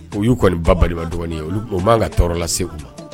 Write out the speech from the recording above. U y'u kɔni ba balimaba ye o'an ka tɔɔrɔla segu ma